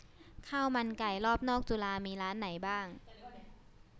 ข้าวมันไก่รอบนอกจุฬามีร้านไหนบ้าง